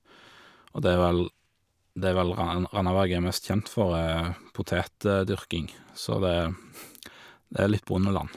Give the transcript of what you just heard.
Og det er vel det vel ran Randaberg er mest kjent for, er potetdyrking, så det det er litt bondeland.